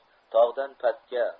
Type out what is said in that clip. tog'dan pastga